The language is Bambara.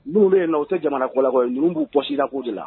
Minnu be yennɔ u te jamana kɔ la kɔyi ninnu b'u poche da ko de la